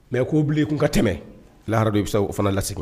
Mɛ ko tun ka tɛmɛ laharadɔ bɛ se o fana lase